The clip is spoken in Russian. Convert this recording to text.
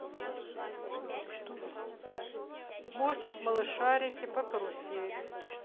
мультик малышарики по карусели